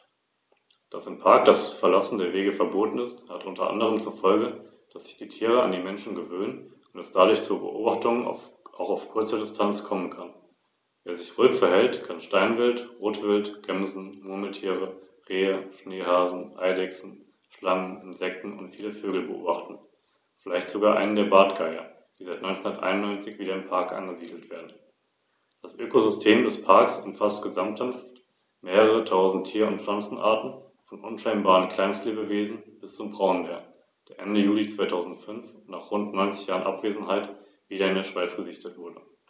Das eigentliche Rückgrat der Verwaltung bildeten allerdings die Städte des Imperiums, die als halbautonome Bürgergemeinden organisiert waren und insbesondere für die Steuererhebung zuständig waren.